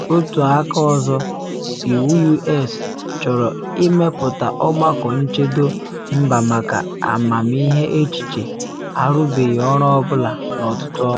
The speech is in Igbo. Otu aka ọzọ, iwu U.S. chọrọ ịmepụta Ọgbakọ Nchedo Mba maka Amamịghe Echiche arụbeghị ọrụ ọ bụla n’ọtụtụ ọnwa.